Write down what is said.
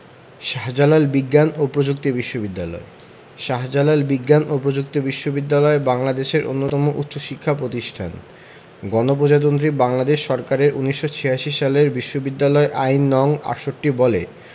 শাহ্জালাল বিজ্ঞান ও প্রযুক্তি বিশ্ববিদ্যালয় শাহ্জালাল বিজ্ঞান ও প্রযুক্তি বিশ্ববিদ্যালয় বাংলাদেশের অন্যতম উচ্চশিক্ষা প্রতিষ্ঠান গণপ্রজাতন্ত্রী বাংলাদেশ সরকারের ১৯৮৬ সালের বিশ্ববিদ্যালয় আইন নং ৬৮ বলে